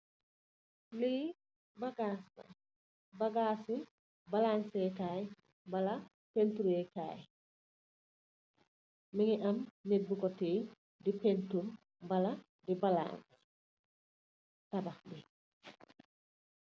Li bagass la bagasi balanceh kai wala painturr ree kai mogi am nitt koku tiyeh wala di painturr wala di balance tabax.